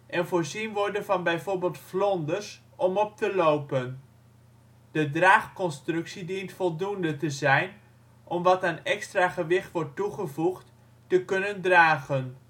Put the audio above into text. en voorzien worden van bijvoorbeeld vlonders om op te lopen. De draagconstructie dient voldoende te zijn, om wat aan extra gewicht wordt toegevoegd, te kunnen dragen